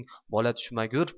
bola tushmagur